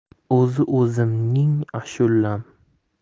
o'zi o'zimning ashulam